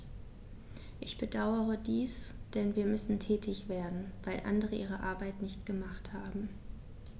Ich bedauere dies, denn wir müssen tätig werden, weil andere ihre Arbeit nicht gemacht haben.